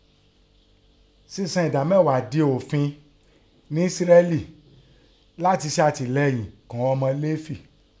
Sínsan ẹ̀dámẹ̀ghá dẹ òfi nẹ́ Ísíráélì láti se àtìleyìn ko ìghan ọmọ Léfì.